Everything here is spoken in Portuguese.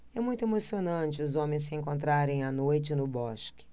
é muito emocionante os homens se encontrarem à noite no bosque